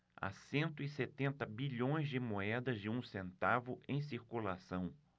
há cento e setenta bilhões de moedas de um centavo em circulação